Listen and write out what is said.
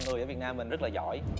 người ở việt nam mình rất là giỏi